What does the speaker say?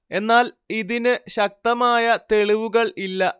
എന്നാൽ ഇതിന് ശക്തമായ തെളിവുകൾ ഇല്ല